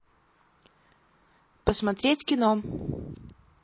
посмотреть кино